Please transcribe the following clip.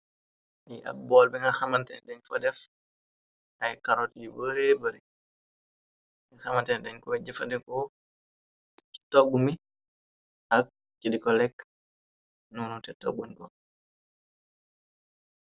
Yi ab bool bi nga xamanten deñ fo def ay karot yi bëree bari ni xamanten degñ ku wejjfadeko i toggu mi ak ci diko lekk ñoonu te togguñ ko.